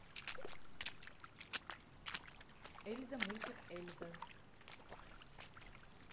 эльза мультик эльза